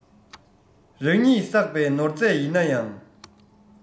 རང ཉིད བསགས པའི ནོར རྫས ཡིན ན ཡང